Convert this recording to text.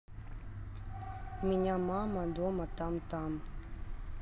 меня мама дома там там